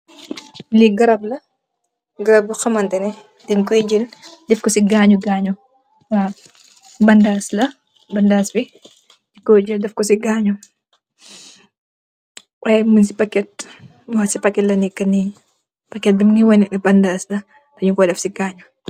Lee garap la, garap bo hamneh den koye jall defko si ganyu ganyu. Bandas la bandas bii denko jal defko si ganyu, waye mung sii parket. Parket bi mingui woneh ne bandas la teh nyunko def si ganyu.